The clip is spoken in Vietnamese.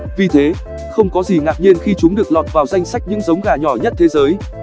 vì thế không có gì ngạc nhiên khi chúng được lọt vào danh sách những giống gà nhỏ nhất thế giới